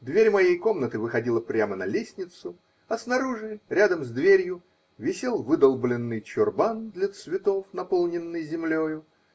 Дверь моей комнаты выходила прямо на лестницу, а снаружи, рядом с дверью, висел выдолбленный чурбан для цветов, наполненный землею.